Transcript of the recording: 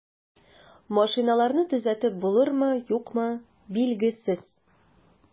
Машиналарны төзәтеп булырмы, юкмы, билгесез.